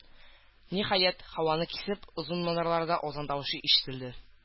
Ниһаять, һаваны кисеп озын манаралардан азан тавышы ишетелде.